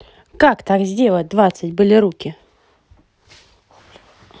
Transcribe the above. как так сделать двадцать были руки